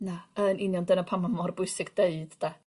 Na yn union dyna pam ma' mor bwysig deud 'da.